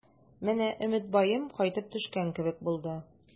Менә Өметбаем кайтып төшкән кебек булды.